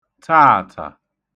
taàtà